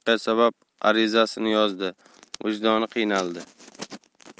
voqea sabab arizasini yozdi vijdoni qiynaldi